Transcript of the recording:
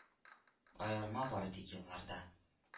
Аерма бары тик елларда